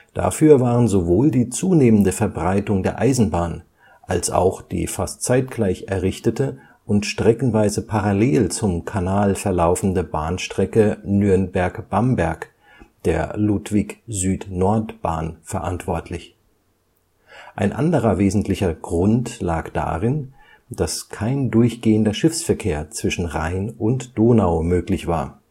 Dafür waren sowohl die zunehmende Verbreitung der Eisenbahn als auch die fast zeitgleich errichtete und streckenweise parallel zum Kanal verlaufende Bahnstrecke Nürnberg – Bamberg der Ludwig-Süd-Nord-Bahn, verantwortlich. Ein anderer wesentlicher Grund lag darin, dass kein durchgehender Schiffsverkehr zwischen Rhein und Donau möglich war